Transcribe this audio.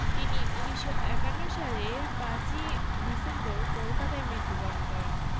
তিনি ১৯৫১ সালে ৫ই ডিসেম্বর কলকাতায় মৃত্যুবরণ করেন